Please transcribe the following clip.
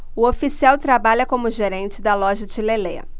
o oficial trabalha como gerente da loja de lelé